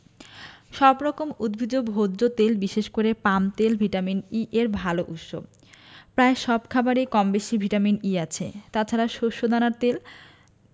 সব রকম উদ্ভিজ্জ ভোজ্য তেল বিশেষ করে পাম তেল ভিটামিন ই এর ভালো উৎস প্রায় সব খাবারেই কমবেশি ভিটামিন ই আছে তাছাড়া শস্যদানার তেল